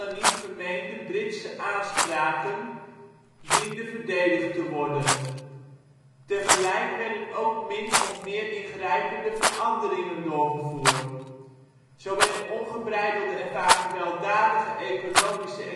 niet vermeende Britse aanspraken diende verdedigd te worden). Tegelijk werden ook min of meer ingrijpende veranderingen doorgevoerd. Zo werd de ongebreidelde en vaak gewelddadige economische